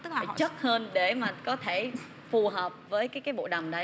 chất hơn để mà có thể phù hợp với cái cái bộ đàm đấy